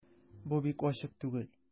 Бу бик ачык түгел...